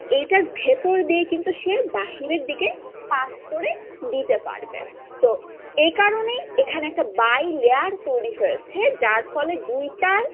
এটার ভেতর থেকে কিন্তু সে বাহিরের দিকে পাস করে দিতে পারবে তো এ কারণেই এখানে একটা বাই লেয়ার তৈরি হয়েছে যার ফলে দুইটার